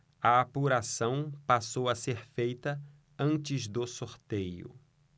a apuração passou a ser feita antes do sorteio